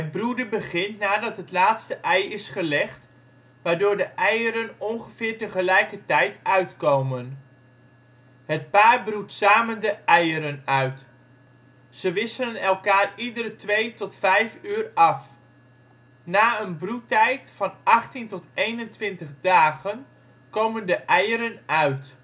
broeden begint nadat het laatste ei is gelegd, waardoor de eieren ongeveer tegelijkertijd uitkomen. Het paar broedt samen de eieren uit; ze wisselen elkaar iedere twee tot vijf uur af. Na een broedtijd van 18 tot 21 dagen komen de eieren uit